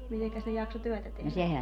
mitenkäs ne jaksoi työtä tehdä